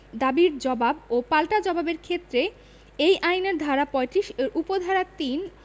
দাবীর জবাব ও পাল্টা জবাবের ক্ষেত্রেও এই আইনের ধারা ৩৫ এর উপ ধারা ৩